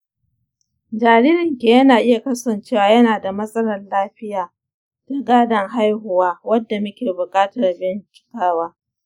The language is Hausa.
jaririnki yana iya kasancewa yana da matsalar lafiya ta gadon haihuwa wadda muke buƙatar bincikawa